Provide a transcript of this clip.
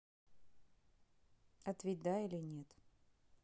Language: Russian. ответь да или нет